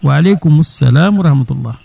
waleykumu salam wa rahma tullah